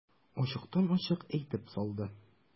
Ачыктан-ачык әйтеп салды.